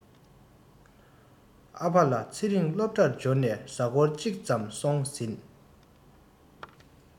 ཨ ཕ ལ ཚེ རིང སློབ གྲྭར འབྱོར ནས གཟའ འཁོར གཅིག ཙམ སོང ཟིན